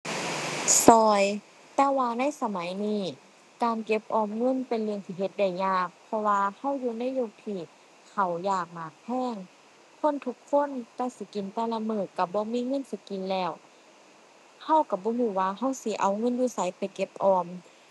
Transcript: ช่วย แต่ว่าในสมัยนี้การเก็บออมเงินเป็นเรื่องที่เฮ็ดได้ยาก เพราะว่าช่วยอยู่ในยุคที่ข้าวยากหมากแพง คนทุกคนแต่สิกินแต่ละมื้อช่วยบ่มีเงินสิกินแล้ว ช่วยช่วยบ่รู้ว่าช่วยสิเอาเงินอยู่ไสไปเก็บออม